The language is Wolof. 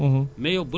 huit cent mille